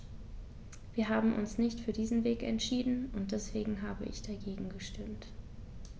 Wir haben uns nicht für diesen Weg entschieden, und deswegen habe ich dagegen gestimmt.